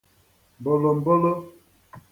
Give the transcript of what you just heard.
bòlòmbolo